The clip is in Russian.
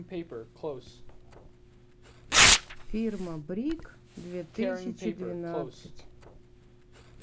фирма бриг две тысячи двенадцать